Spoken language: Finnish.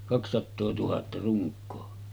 kaksisataa tuhatta runkoa